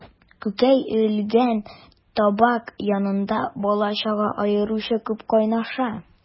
Күкәй өелгән табак янында бала-чага аеруча күп кайнаша.